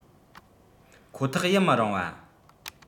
ཁོ ཐག ཡི མི རང བ